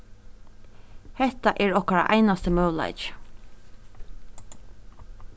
hetta er okkara einasti møguleiki